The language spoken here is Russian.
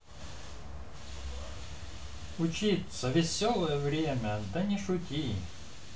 учиться веселое время да не шути